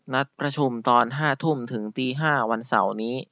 นัดประชุมตอนห้าทุ่มถึงตีห้าวันเสาร์นี้